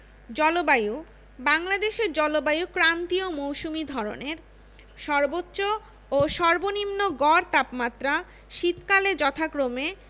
জলবায়ুঃ বাংলাদেশের জলবায়ু ক্রান্তীয় মৌসুমি ধরনের সর্বোচ্চ ও সর্বনিম্ন গড় তাপমাত্রা শীতকালে যথাক্রমে